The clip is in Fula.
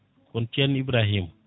kano ceerno Ibraima